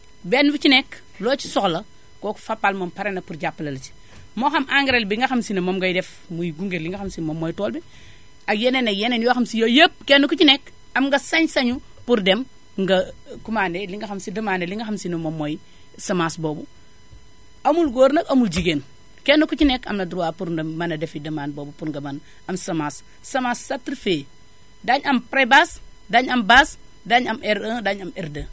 benn bu ci nekk loo ci soxla kooku Fapal moom pare na pour jàppale la si moo xam engrais bi nga xam si ne moom ngay def muy gunge li nga xam si ne moom mooy tool bi ak yeneen ak yeneen yoo xam si yooyu yépp kenn ku ci ne am nga sañ-sañu pour dem nga commandé li nga xam si demandé li nga xam si ne moom mooy semence boobu amul góor nag amul jigéen kenn ku ci nekk am na droit pour mën a defi demande boobu pour nga mën a am semence semence certifiée daañu am pré base daañu am base daañu am R1 daañu am R2